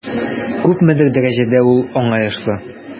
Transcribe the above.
Күпмедер дәрәҗәдә ул аңлаешлы.